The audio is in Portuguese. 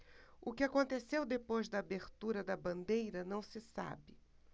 o que aconteceu depois da abertura da bandeira não se sabe